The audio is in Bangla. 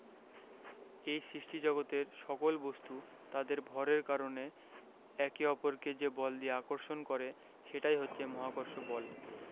এই সৃষ্টিজগতের সকল বস্তু তাদের ভরের কারণে একে অপরকে যে বল দিয়ে আকর্ষণ করে সেটাই হচ্ছে মহাকর্ষ বল